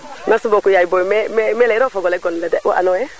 merci beaucoup Yaye Boy mais leyiro o fogole god ne de wo ano